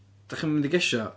Dach chi'm yn mynd i gesio?